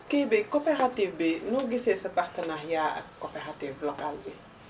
kii bi coopérative bi noo gisee sa partenariat ak coopérative locale bi